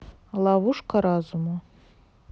ловушка разума